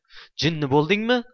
jinni bo'ldingmi